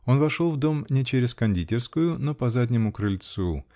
Он вошел в дом не через кондитерскую, но по заднему крыльцу.